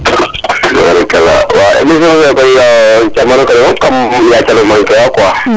barikala wa emission ne koy camano kene fop kam yaca nan o manquer a quoi